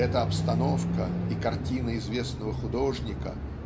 эта обстановка и картина известного художника